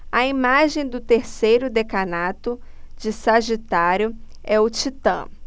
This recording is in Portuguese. a imagem do terceiro decanato de sagitário é o titã